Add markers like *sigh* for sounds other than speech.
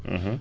*hesitation* *hesitation*